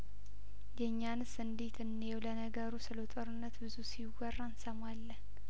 የእኛን ስእንዴት እንየው ለነገሩ ስለጦርነት ብዙ ሲወራ እንሰማለን